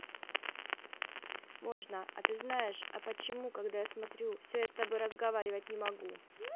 можно а ты знаешь а почему когда я смотрю все я с тобой разговаривать не могу